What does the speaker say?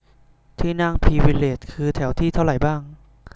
ที่นั่งพรีวิเลจคือแถวที่เท่าไหร่บ้าง